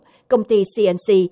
công ty xi en xi